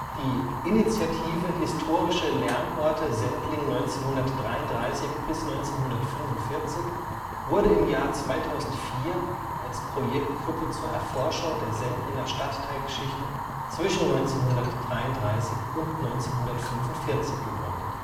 Die Initiative Historische Lernorte Sendling 1933 – 1945 wurde 2004 als Projektgruppe zur Erforschung der Sendlinger Stadtteilgeschichte zwischen 1933 und 1945 gegründet